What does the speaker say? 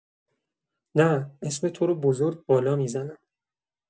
نه، اسم تو رو بزرگ بالا می‌زنم.